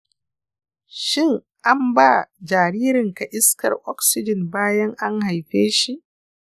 shin an ba jinjirinka iskar oxygen bayan an haife shi?